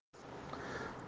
boshqa qaytarilmaydi dedi